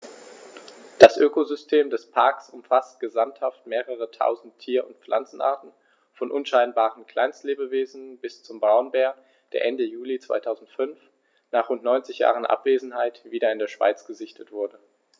Das Ökosystem des Parks umfasst gesamthaft mehrere tausend Tier- und Pflanzenarten, von unscheinbaren Kleinstlebewesen bis zum Braunbär, der Ende Juli 2005, nach rund 90 Jahren Abwesenheit, wieder in der Schweiz gesichtet wurde.